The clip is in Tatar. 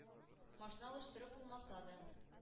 “машина алыштырып булмаса да,